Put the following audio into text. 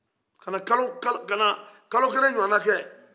ka na kalo kelen ɲɔgɔnna kɛ